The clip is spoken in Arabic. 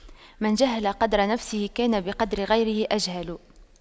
من جهل قدر نفسه كان بقدر غيره أجهل